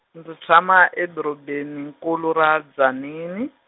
ndzi tshama edorobeni nkulu ra Tzaneen.